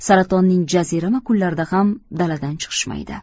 saratonning jazirama kunlarida ham daladan chiqishmaydi